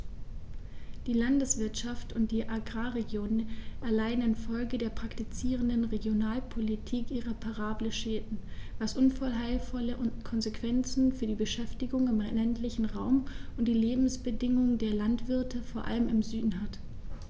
Die Landwirtschaft und die Agrarregionen erleiden infolge der praktizierten Regionalpolitik irreparable Schäden, was unheilvolle Konsequenzen für die Beschäftigung im ländlichen Raum und die Lebensbedingungen der Landwirte vor allem im Süden hat.